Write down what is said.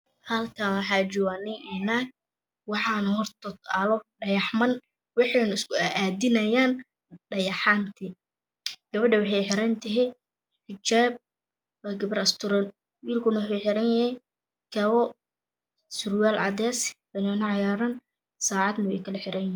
Halkaan wax joogo nin iyo naag waxane hortoda aalo dhagax man waxena isku ad adinayan dhagaxan gabadha waxey xiratehe xijab waa gabar asturan wiilkane wuxu xiran yahe kabo surwal cades banoni cagaran sacadne wey kala xiran yihin